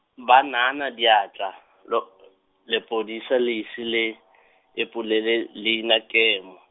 ba naana diatla, lo- , lepodisa le ise le , ipolele, leina kemo.